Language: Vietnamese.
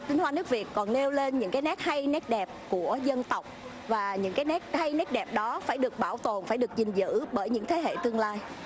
hoa nước việt còn nêu lên những cái nét hay nét đẹp của dân tộc và những cái nét hay nét đẹp đó phải được bảo tồn phải được gìn giữ bởi những thế hệ tương lai